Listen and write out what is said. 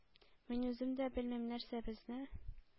Мин үзем дә белмим, нәрсә безне